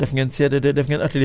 ak ateliers yu bëri